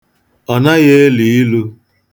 Ọ naghị elu ilu.